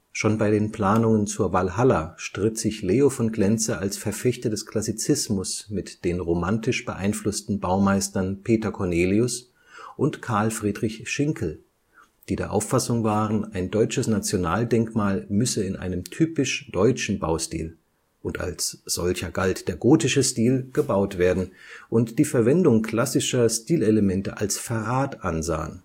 Schon bei den Planungen zur Walhalla stritt sich Leo von Klenze als Verfechter des Klassizismus mit den romantisch beeinflussten Baumeistern Peter Cornelius und Karl Friedrich Schinkel, die der Auffassung waren, ein deutsches Nationaldenkmal müsse in einem typisch deutschen Baustil – und als solcher galt der gotische Stil – gebaut werden und die Verwendung klassischer Stilelemente als Verrat ansahen